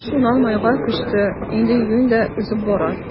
Шуннан майга күчте, инде июнь дә узып бара.